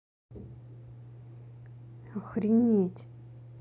охренеть